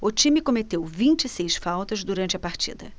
o time cometeu vinte e seis faltas durante a partida